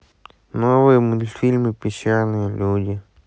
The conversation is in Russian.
новые мультфильмы пещерные люди